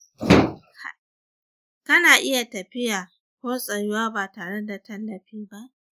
kana iya tafiya ko tsayuwa ba tareda tallafi ba